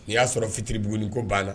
Ni y'a sɔrɔ fitiribuugun ko ba la